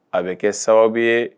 A bɛ kɛ sababu bɛ ye